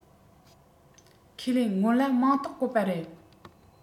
ཁས ལེན སྔོན ལ མིང རྟགས བཀོད པ རེད